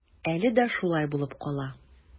Әле дә шулай булып кала.